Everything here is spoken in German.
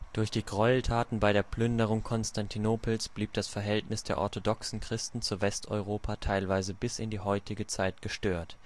Durch die Gräueltaten bei der Plünderung Konstantinopels blieb das Verhältnis der orthodoxen Christen zu Westeuropa teilweise bis in die heutige Zeit gestört